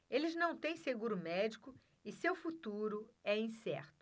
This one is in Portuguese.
eles não têm seguro médico e seu futuro é incerto